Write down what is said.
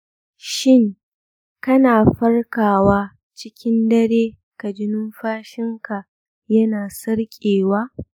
shin kana farkawa cikin dare kaji numfashinka yana sarƙewa?